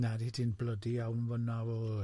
Nad'di ti'n blydi iawn fan'na, oo.